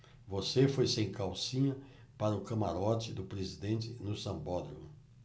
você foi sem calcinha para o camarote do presidente no sambódromo